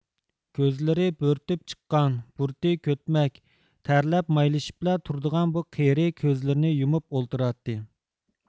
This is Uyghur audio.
كۆزلىرى بۆرتۈپ چىققان بۇرۇتى كۆتمەك تەرلەپ مايلىشىپلا تۇرىدىغان بۇ قېرى كۆزلىرىنى يۇمۇپ ئولتۇراتتى